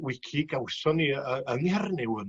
wici gawson ni yy yn Nghernyw yn